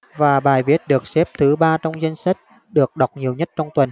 và bài viết được xếp thứ ba trong danh sách được đọc nhiều nhất trong tuần